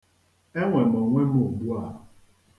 E nwe m onwe m ugbua.